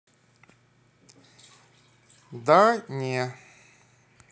да не